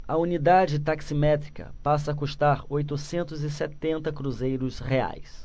a unidade taximétrica passa a custar oitocentos e setenta cruzeiros reais